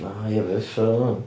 O ia, be uffar oedd hwn?